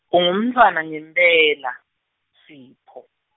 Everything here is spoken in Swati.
Ungumntfwana ngempela, Sipho.